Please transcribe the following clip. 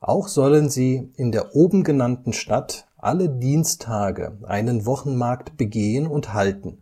Auch sollen sie in der obengenannten Stadt alle Dienstage einen Wochenmarkt begehen und halten,